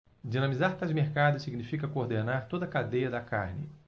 dinamizar tais mercados significa coordenar toda a cadeia da carne